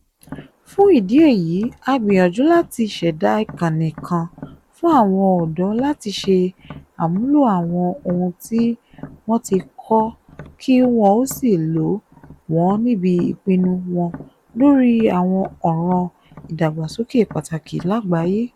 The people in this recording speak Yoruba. Fún ìdí èyí, a gbìyànjú láti ṣẹ̀dá ìkànnì kan fún àwọn ọ̀dọ́ láti ṣe àmúlò àwọn ohun tí wọ́n ti kọ́ kí wọ́n ó sì lò wọ́n níbi ìpinnu wọn lórí àwọn ọ̀ràn ìdàgbàsókè pàtàkì lágbàáyé.